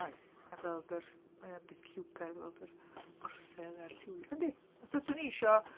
Oes. A gweld yr s- Mae o'n beth lliwgar i weld yr orsedd a'r lliwiau. Yndi. Achos os o'n i isio...